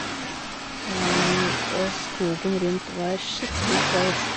Og skogen rundt var skikkelig trolsk.